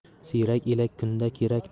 siyrak elak kunda kerak